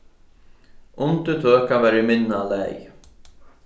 undirtøkan var í minna lagi